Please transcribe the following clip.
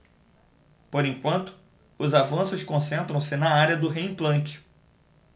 por enquanto os avanços concentram-se na área do reimplante